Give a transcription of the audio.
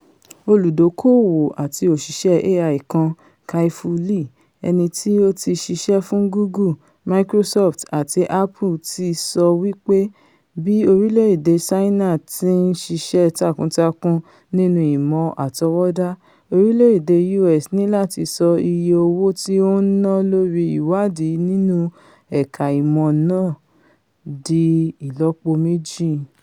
Olùdóko-òwò àti òṣìṣẹ́ AI kan, Kai-Fu Lee, ẹniti ó ti ṣiṣẹ́ fún Google, Microsoft àti Apple tí sọ wí pé bí orílẹ̀-èdè Ṣáínà ti ǹ ṣíṣẹ́ tákútákún nínú Ìmọ̀ Àtọwọ́dá, orílẹ̀-èdè U.S ní láti sọ iye owó tí ó ń ná lórí ìwáàdí nínú ẹ̀ka ìmọ̀ náà di ìlọ́po méjì.